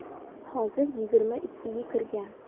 hozir yigirma ikkiga kirgan